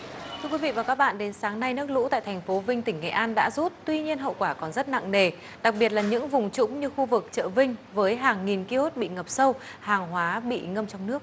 thưa quý vị và các bạn đến sáng nay nước lũ tại thành phố vinh tỉnh nghệ an đã rút tuy nhiên hậu quả còn rất nặng nề đặc biệt là những vùng trũng như khu vực chợ vinh với hàng nghìn ki ốt bị ngập sâu hàng hóa bị ngâm trong nước